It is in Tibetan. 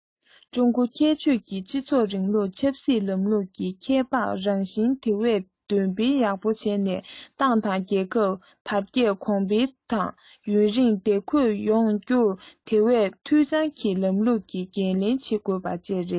ཀྲུང གོའི ཁྱད ཆོས ཀྱི སྤྱི ཚོགས རིང ལུགས ཀྱི ཆབ སྲིད ལམ ལུགས ཀྱི ཁྱད འཕགས རང བཞིན དེ བས འདོན སྤེལ ཡག པོ བྱས ནས ཏང དང རྒྱལ ཁབ དར རྒྱས གོང འཕེལ དང ཡུན རིང བདེ འཁོད ཡོང རྒྱུར དེ བས འཐུས ཚང གི ལམ ལུགས ཀྱི འགན ལེན བྱེད དགོས པ བཅས རེད